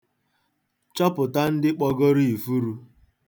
Chọpụta ndị kpọgoro ifuru.